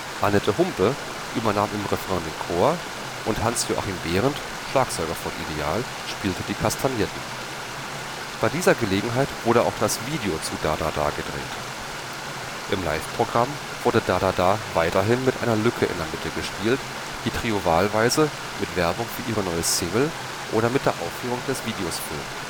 Annette Humpe übernahm im Refrain den Chor, und Hans-Joachim Behrendt (Schlagzeuger von Ideal) spielte die Kastagnetten. Bei dieser Gelegenheit wurde auch das Video zu „ Da da da “gedreht. Im Live-Programm wurde „ Da da da “weiterhin mit einer Lücke in der Mitte gespielt, die Trio wahlweise mit Werbung für ihre neue Single oder mit der Aufführung des Videos füllten